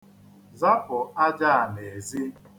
Zapụ aja a n'ezi.